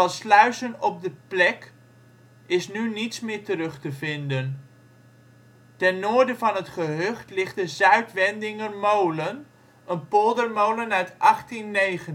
sluizen op de plek is nu niets meer terug te vinden. Ten noorden van het gehucht ligt de Zuidwendinger Molen, een poldermolen uit 1819